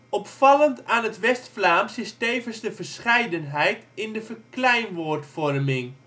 Opvallend aan het West-Vlaams is tevens de verscheidenheid in de verkleinwoordvorming